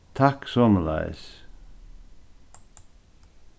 takk somuleiðis